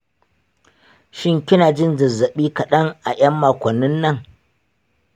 shin kinajin zazzabi kadan a yan makonnin nan?